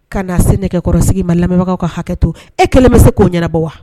Ka na se nɛgɛkɔrɔ sigi ma lamɛnbagaw ka hakɛto. E kelen be se ko ɲɛnabɔ wa?